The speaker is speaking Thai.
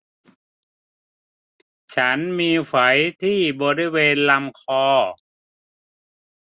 ฉันมีไฝที่บริเวณลำคอ